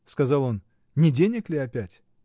— сказал он, — не денег ли опять?